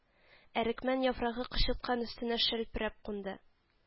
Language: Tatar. Әрекмән яфрагы кычыткан өстенә шәлперәп кунды